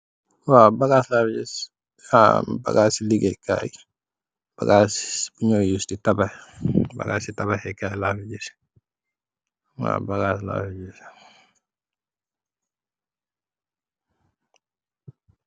Waaw, bagaas la fo gis, bagaas i ligeyee kaay. Bagaas yu ñuy tabaxee. Bagaas i tabla xee kaay laa fi gis. Waaw, bagaas i tabaxee kaay, laa fi gis.